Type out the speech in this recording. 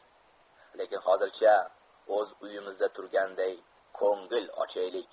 lekin hozircha o'z uyimizda turganday ko'ngil ochaylik